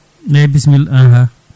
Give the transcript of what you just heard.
eyyi bisimilla aha